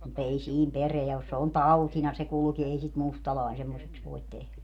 mutta ei siinä perää ole se on tautina se kulki ei sitä mustalainen semmoiseksi voi tehdä